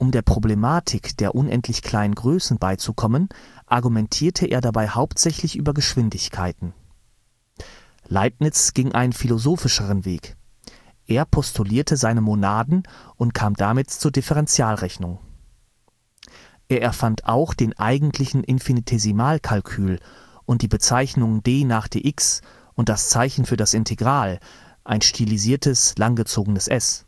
der Problematik der unendlich kleinen Größen beizukommen, argumentierte er dabei hauptsächlich über Geschwindigkeiten. Leibniz ging einen philosophischeren Weg, er postulierte seine Monaden und kam damit zur Differentialrechnung. Er erfand auch den eigentlichen Infinitesimalkalkül und die Bezeichnungen d d x {\ displaystyle {\ tfrac {\ mathrm {d}} {\ mathrm {d} x}}} und das Zeichen für das Integral ∫{\ displaystyle \ textstyle \ int}. Zwischen